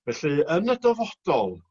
Felly yn y dyfodol